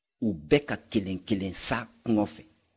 u bɛ ka kelen kelen sa kɔngɔ fɛ